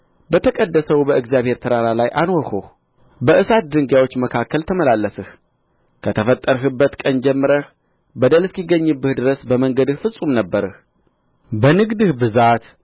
በተቀደሰው በእግዚአብሔር ተራራ ላይ አኖርሁህ በእሳት ድንጋዮች መካከል ተመላለስህ ከተፈጠርህበት ቀን ጀምረህ በደል እስኪገኝብህ ድረስ በመንገድህ ፍጹም ነበርህ በንግድህ ብዛት